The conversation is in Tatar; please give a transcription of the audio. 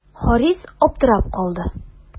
Харис аптырап калды.